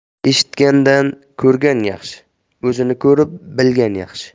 eshitgandan ko'rgan yaxshi o'zini ko'rib bilgan yaxshi